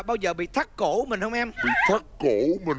bao giờ bị thắt cổ mình không em thắt